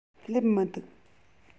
སླེབས མི འདུག